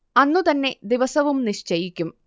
അന്നുതന്നെ ദിവസവും നിശ്ചയിക്കും